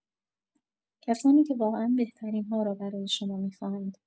کسانی که واقعا بهترین‌ها را برای شما می‌خواهند.